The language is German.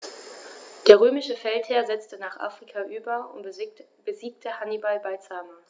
Der römische Feldherr setzte nach Afrika über und besiegte Hannibal bei Zama.